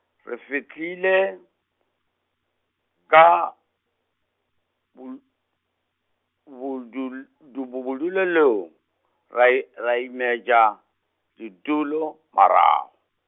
re fihlile, ka, bol-, bodul- du- bobe -dulelong, ra i-, ra imetša, ditulo marago.